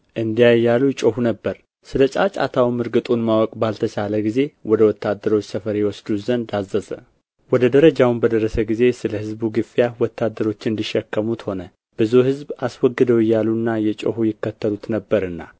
እንዲያ እያሉ ይጮኹ ነበር ስለ ጫጫታውም እርግጡን ማወቅ ባልተቻለ ጊዜ ወደ ወታደሮች ሰፈር ይወስዱት ዘንድ አዘዘ ወደ ደረጃውም በደረሰ ጊዜ ስለ ሕዝቡ ግፊያ ወታደሮች እንዲሸከሙት ሆነ ብዙ ሕዝብ አስወግደው እያሉና እየጮኹ ይከተሉ ነበርና